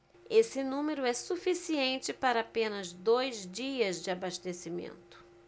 esse número é suficiente para apenas dois dias de abastecimento